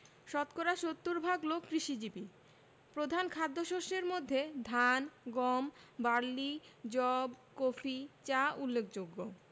শতকরা ৭০ ভাগ লোক কৃষিজীবী প্রধান খাদ্যশস্যের মধ্যে ধান গম বার্লি যব কফি চা উল্লেখযোগ্য